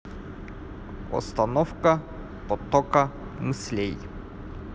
остановка потока мыслей